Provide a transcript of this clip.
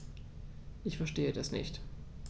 Ich verstehe das nicht.